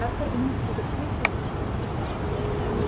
axir uning tushiga tez tez kitlar kirib turardi da